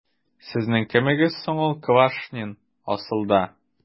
Сезнең кемегез соң ул Квашнин, асылда? ..